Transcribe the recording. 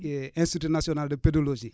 indstitut national de pédologie